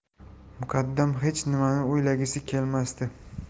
muqaddam hech nimani o'ylagisi kelmasdi